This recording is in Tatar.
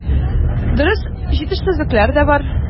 Дөрес, җитешсезлекләр дә бар.